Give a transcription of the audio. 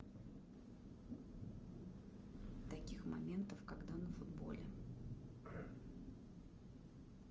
таких моментов когда на футболе